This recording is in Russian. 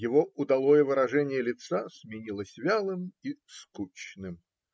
его удалое выражение лица сменилось вялым и скучным.